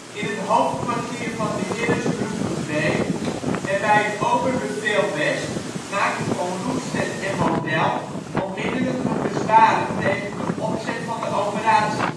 In het hoofdkwartier van de Heeresgruppe B en bij het Oberbefehl West maakten Von Rundstedt en Model onmiddellijk hun bezwaren tegen de opzet van de operatie